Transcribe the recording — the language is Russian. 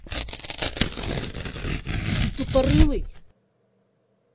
ты тупорылый